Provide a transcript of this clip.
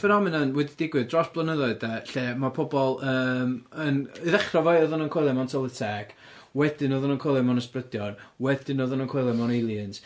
ffenomenon wedi digwydd dros blynyddoedd de lle ma' pobl yym yn... I ddechrau efo'i oedden nhw'n coelio mewn tylwyth teg, wedyn oedd nhw'n coelio mewn ysbrydion, wedyn oedden nhw'n coelio mewn aliens...